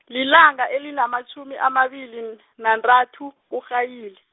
lilanga elinamatjhumi amabili n- nantathu, kuMrhayili.